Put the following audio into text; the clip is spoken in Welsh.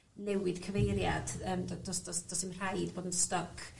newid cyfeiriad yym do- do's do's do's dim rhaid bod yn styc...